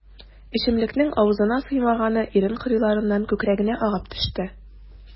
Эчемлекнең авызына сыймаганы ирен кырыйларыннан күкрәгенә агып төште.